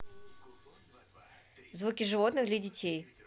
звуки животных для детей